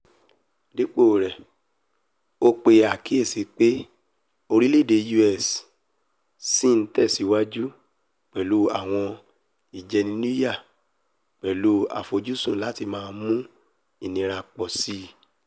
Dípò rẹ̀, ó pe àkíyèsí pé, orílẹ̀-èdè U.S. si ńtẹ̀síwájú pẹ̀lú àwọn ìjẹniníyà pẹ̀lú àfojúsùn láti máa mú ìnira pọ̀síi.